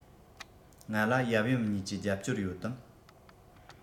ང ལ ཡབ ཡུམ གཉིས ཀྱི རྒྱབ སྐྱོར ཡོད དམ